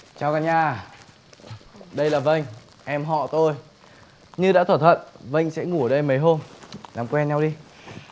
chào cả nhà đây là vênh em họ tôi như đã thỏa thuận vênh sẽ ngủ đây mấy hôm làm quen nhau đi